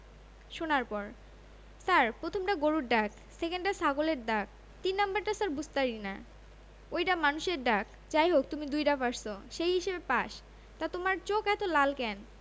শোনার পর ছার প্রথমডা গরুর ডাক সেকেন ডা ছাগলের ডাক তিন নাম্বারডা ছার বুঝতারিনা ওইডা মানুষের ডাক যাই হোক তুমি দুইডা পারছো সেই হিসেবে পাস তা তোমার চোখ এত লাল কেন